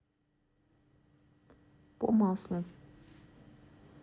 по маслу